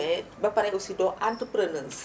mais ba pare aussi doo entrepreneuse